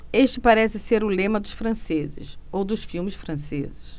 este parece ser o lema dos franceses ou dos filmes franceses